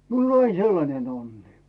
minulla oli aina sellainen onni